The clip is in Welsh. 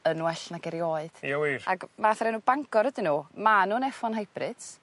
yn well nag erioed. Ie wir? Ag math o'r enw Bangor ydyn n'w. Ma' nw'n Eff one Hybrids